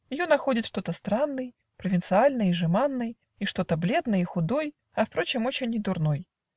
Ее находят что-то странной, Провинциальной и жеманной, И что-то бледной и худой, А впрочем очень недурной